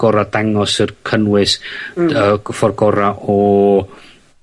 gora' o dangos y cynnwys... Mm. ...yr g- ffor gora' o